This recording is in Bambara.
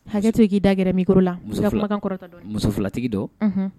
Hakɛ k'i dagɛrɛ mi la kɔrɔ muso filatigi dɔn